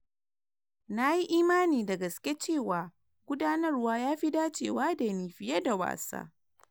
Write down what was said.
"Na yi imani da gaske cewa gudanarwa ya fi dacewa da ni, fiye da wasa.